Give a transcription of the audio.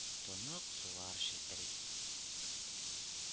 Тонык сулар челтери